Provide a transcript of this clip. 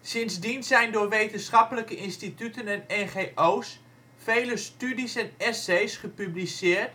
Sindsdien zijn door wetenschappelijke instituten en NGO 's vele studies en essays gepubliceerd